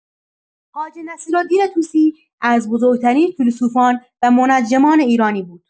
خواجه نصیرالدین طوسی از بزرگ‌ترین فیلسوفان و منجمان ایرانی بود.